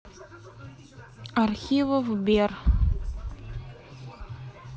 архивов бер